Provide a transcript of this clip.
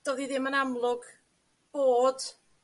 do'dd hi ddim yn amlwg fod